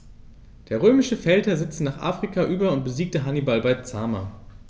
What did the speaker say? Der römische Feldherr setzte nach Afrika über und besiegte Hannibal bei Zama.